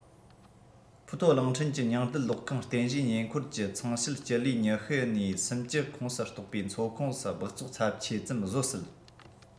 ཕུའུ ཏའོ གླིང ཕྲན གྱི ཉིང རྡུལ གློག ཁང རྟེན གཞིའི ཉེ འཁོར གྱི ཚངས ཕྱེད སྤྱི ལེ ཉེ ཤུ ནས སུམ བཅུ ཁོངས སུ གཏོགས པའི མཚོ ཁོངས སུ སྦགས བཙོག ཚབས ཆེ ཙམ བཟོ སྲིད